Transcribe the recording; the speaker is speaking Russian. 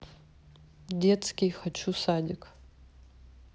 детский хочу садик